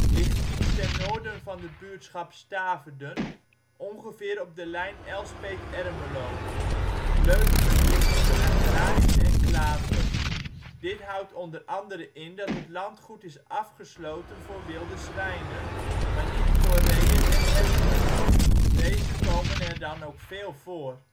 ligt iets ten noorden van de buurtschap Staverden, ongeveer op de lijn Elspeet - Ermelo. Leuvenum ligt in een agrarische enclave. Dit houdt onder andere in dat het landgoed is afgesloten voor wilde zwijnen, maar niet voor reeën en herten. Deze komen er dan ook veel voor